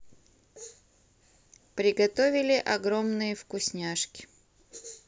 приготовили огромные вкусняшки